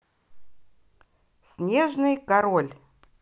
снежный король